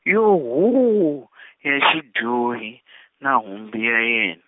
yo huu, ya xidyohi na humbi ya yena.